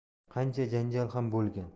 qancha janjal ham bo'lgan